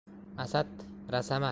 asad rasamat